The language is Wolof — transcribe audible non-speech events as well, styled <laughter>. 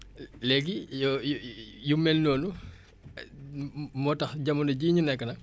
léegi yu <hesitation> yu mel noonu <hesitation> moo tax jamono jii ñu nekk nag